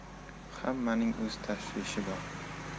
hammaning o'z tashvishi bor